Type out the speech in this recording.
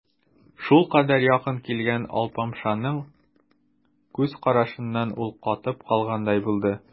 Шулкадәр якын килгән алпамшаның күз карашыннан ул катып калгандай булды.